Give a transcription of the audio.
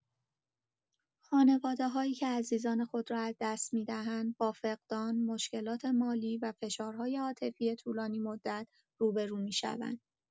خانواده‌هایی که عزیزان خود را از دست می‌دهند، با فقدان، مشکلات مالی و فشارهای عاطفی طولانی‌مدت روبه‌رو می‌شوند.